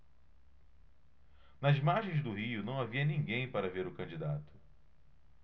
nas margens do rio não havia ninguém para ver o candidato